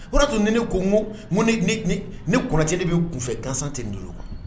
O tun ni ne ko ko netɛ b'i kunfɛ gansan tɛ duuru kuwa